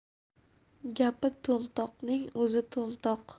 gapi to'mtoqning o'zi to'mtoq